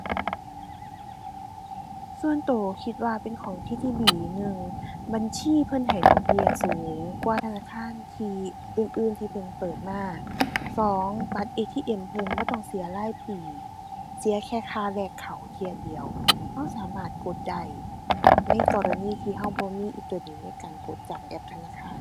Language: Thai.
ส่วนตัวคิดว่าเป็นของ TTB หนึ่ง บัญชีเพิ่นให้ดอกเบี้ยสูงกว่าธนาคารที่อื่นอื่นที่เพิ่งเปิดมา สอง บัตร ATM เพิ่นบ่ต้องเสียรายปี เสียแค่ค่าแรกเข้าเที่ยเดียว ตัวสามารถกดได้ ในกรณีที่ตัวบ่มีอินเทอร์เน็ตในการกดจากแอปธนาคาร